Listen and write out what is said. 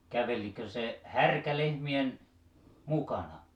kävelikö se härkä lehmien mukana